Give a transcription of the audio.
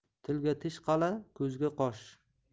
tilga tish qal'a ko'zga qosh